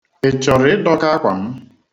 I chọrọ ịdọka akwa m?